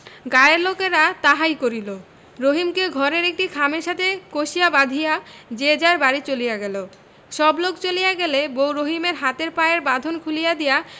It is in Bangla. গাঁয়ের লোকেরা তাহাই করিল রহিমকে ঘরের একটি খামের সাথে কষিয়া বাধিয়া যে যার বাড়ি চলিয়া গেল সবলোক চলিয়া গেলে বউ রহিমের হাতের পায়ের বাঁধন খুলিয়া দিয়া